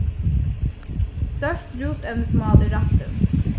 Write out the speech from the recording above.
stórt rúsevnismál í rættin